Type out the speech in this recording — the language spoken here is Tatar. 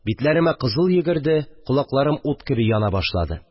Битләремә кызыл йөгерде, колакларым ут кеби яна башлады